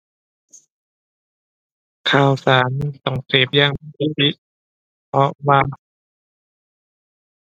ข่าวสารต้องเสพอย่าง proofread เพราะว่า